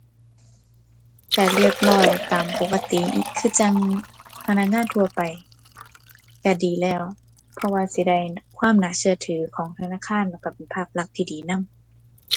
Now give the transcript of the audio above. ก็เรียบร้อยตามปกติคือจั่งพนักงานทั่วไปก็ดีแล้ว เพราะว่าสิได้ความน่าเชื่อถือของธนาคาร แล้วก็เป็นภาพลักษณ์ที่ดีนำ